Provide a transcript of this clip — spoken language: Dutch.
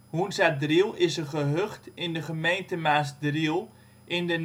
Hoenzadriel is een gehucht in de gemeente Maasdriel, provincie Gelderland, Nederland